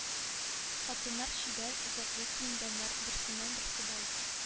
Хатыннар чибәр, затлы киенгәннәр, берсеннән-берсе бай.